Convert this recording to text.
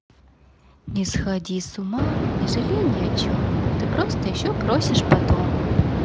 не сходи с ума не жалей ни о чем ты просто еще просишь потом